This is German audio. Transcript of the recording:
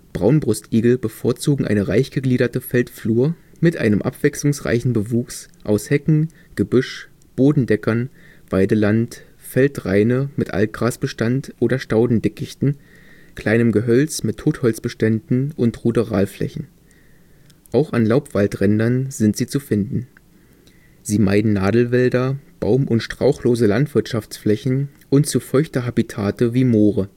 Braunbrustigel bevorzugen eine reich gegliederte Feldflur mit einem abwechslungsreichen Bewuchs aus Hecken, Gebüsch, Bodendeckern, Weideland, Feldraine mit Altgrasbestand oder Staudendickichten, kleinem Gehölz mit Totholzbeständen und Ruderalflächen. Auch an Laubwaldrändern sind sie zu finden. Sie meiden Nadelwälder, baum - und strauchlose Landwirtschaftsflächen und zu feuchte Habitate wie Moore